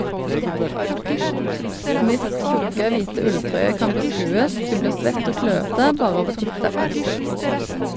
Smiths tjukke, hvite ulltrøye kan beskues, du blir svett og kløete bare av å titte.